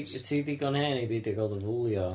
Ti digon hen i beidio gael dy fwlio.